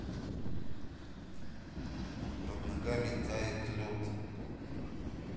под ногами тает лед